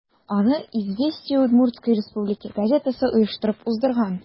Аны «Известия Удмуртсткой Республики» газетасы оештырып уздырган.